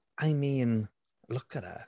I mean, look at her.